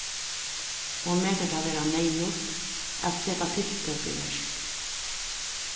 hon metir tað vera neyðugt at seta tiltøk í verk